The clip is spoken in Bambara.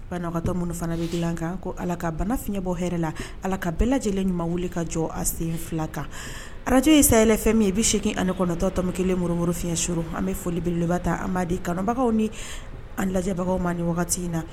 Banabagatɔw minnu fana bɛ gilan kan ko Ala ka bana fiɲɛbɔ hɛrɛ la Ala ka bɛɛ lajɛlen ɲuman wuli ka jɔ a sen 2 kan arajo ye sayɛli FM ye 89 tɔmi 1 muru muru fiɲɛsuru an bɛ foli beleba ta an b'a di kanubagaw ni an lajɛbagaw ma ni wagati in na